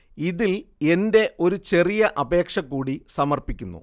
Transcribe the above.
ഇതിൽ എന്റെ ഒരു ചെറിയ അപേക്ഷ കൂടി സമർപ്പിക്കുന്നു